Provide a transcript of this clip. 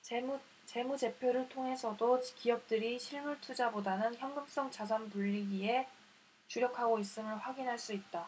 재무제표를 통해서도 기업들이 실물투자보다는 현금성 자산 불리기에 주력하고 있음을 확인할 수 있다